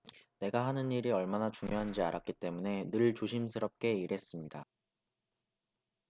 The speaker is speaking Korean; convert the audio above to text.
내가 하는 일이 얼마나 중요한지 알았기 때문에 늘 조심스럽게 일했습니다